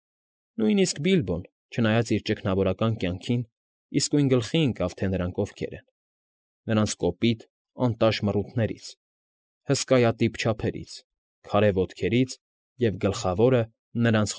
Նույնիսկ Բիլբոն, չնայած իր ճգնավորական կյանքին, իսկույն գլխի ընկավ, թե նրանք ովքեր են՝ նրանց կոպիտ, անտաշ մռութներից, հսկայատիպ չափերից, քարե ոտքերից և, գլխավորը, նրանց։